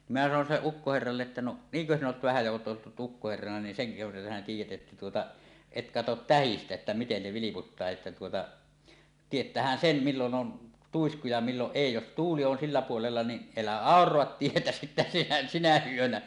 niin minä sanoin sille ukkoherralle että no niinkö sinä olet vähän ja olet ollut jo ukkoherrana niin senkö verta sinä tiedät että tuota et katso tähdistä että miten ne vilputtaa että tuota tietäähän sen milloin on tuisku ja milloin ei jos tuuli on sillä puolella niin älä auraa tietä sitten sinä sinä yönä